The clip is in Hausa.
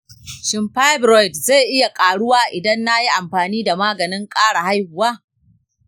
shin fibroid zai iya ƙaruwa idan na yi amfani da maganin ƙara haihuwa?